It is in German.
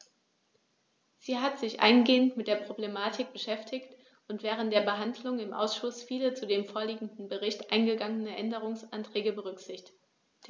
Sie hat sich eingehend mit der Problematik beschäftigt und während der Behandlung im Ausschuss viele zu dem vorliegenden Bericht eingegangene Änderungsanträge berücksichtigt.